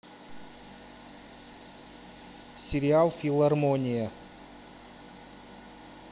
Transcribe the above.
сериал филармония